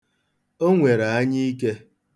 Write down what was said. O nwere anyiike.